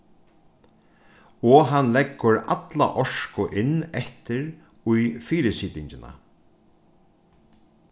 og hann leggur alla orku inn eftir í fyrisitingina